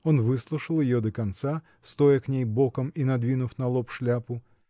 Он выслушал ее до конца, стоя к ней боком и надвинув на лоб шляпу